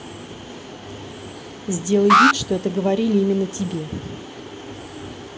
сделай вид что это говорили именно тебе